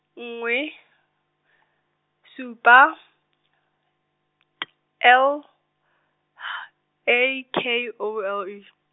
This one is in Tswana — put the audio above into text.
nngwe, supa, T L, H A K O L E.